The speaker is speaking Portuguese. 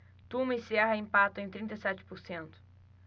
tuma e serra empatam em trinta e sete por cento